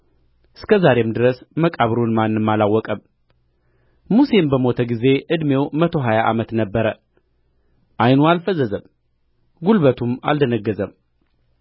እስከ ዛሬም ድረስ መቃብሩን ማንም አላወቀም ሙሴም በሞተ ጊዜ ዕድሜው መቶ ሀያ ዓመት ነበረ ዓይኑ አልፈዘዘም ጕልበቱም አልደነገዘም